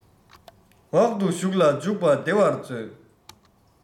འོག ཏུ ཞུགས ལ འཇུག པ བདེ བར མཛོད